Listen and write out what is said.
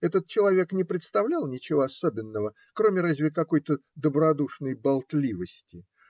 Этот человек не представлял ничего особенного, кроме разве какой-то добродушной болтливости.